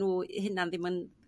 n'w i huna'n ddim yn